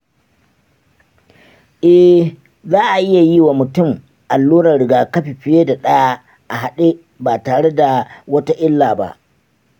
eh, za a iya yi wa mutum alluran rigakafi fiye da ɗaya a haɗe ba tare da wata illa ba.